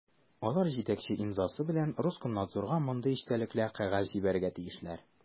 Алар җитәкче имзасы белән Роскомнадзорга мондый эчтәлекле кәгазь җибәрергә тиешләр: